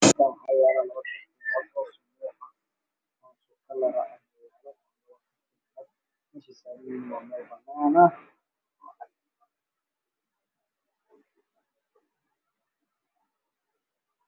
Meeshan waxaa iga muuqda laba faraantay